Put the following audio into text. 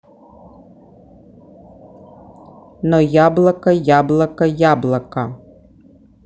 но яблоко яблоко яблоко